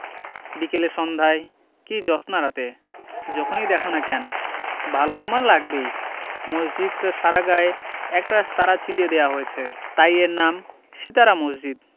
বিকেলে সন্ধায় কি জস্নারাতে যখনি দ্যাখো না কেন ভালো তোমার লাগবেই মসজিদটার সারা গায়ে একরাশ তারা ছিটিয়ে দেয়া হয়েছে তাই এর নাম সিতারা মসজিদ